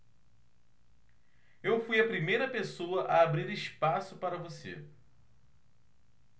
eu fui a primeira pessoa a abrir espaço para você